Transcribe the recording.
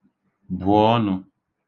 bụ ọnụ̄